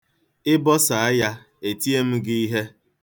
Ị bọsaa ya, etie m gị ihe.